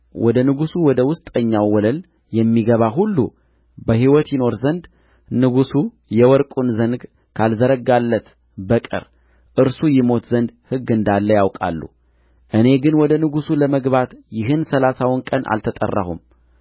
ወደ ንጉሡ ወደ ውስጠኛው ወለል የሚገባ ሁሉ በሕይወት ይኖር ዘንድ ንጉሡ የወርቁን ዘንግ ካልዘረጋለት በቀር እርሱ ይሞት ዘንድ ሕግ እንዳለ ያውቃሉ እኔ ግን ወደ ንጉሡ ለመግባት ይህን ሠላሳውን ቀን አልተጠራሁም